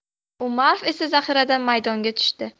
umarov esa zaxiradan maydonga tushdi